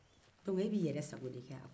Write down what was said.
i b'i yɛrɛ sago de kɛ